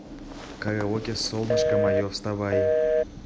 караоке солнышко мое вставай